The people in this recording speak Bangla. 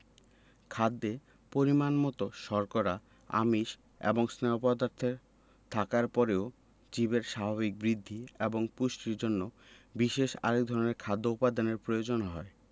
খাদ্যে পরিমাণমতো শর্করা আমিষ এবং স্নেহ পদার্থ থাকার পরেও জীবের স্বাভাবিক বৃদ্ধি এবং পুষ্টির জন্য বিশেষ আরেক ধরনের খাদ্য উপাদানের প্রয়োজন হয়